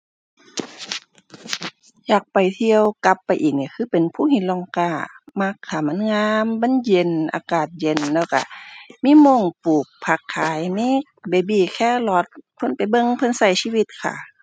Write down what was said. อยากไปเที่ยว กลับไปอีกนี่คือเป็น ภูหินร่องกล้า มักค่ะ มันงาม มันเย็น อากาศเย็น แล้วก็มีม้งปลูกผักขาย มี baby carrot เพิ่นไปเบิ่งเพิ่นก็ชีวิตค่ะ